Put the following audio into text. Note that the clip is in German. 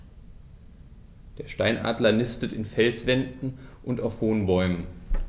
Der Steinadler nistet in Felswänden und auf hohen Bäumen.